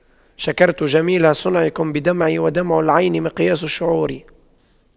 شكرت جميل صنعكم بدمعي ودمع العين مقياس الشعور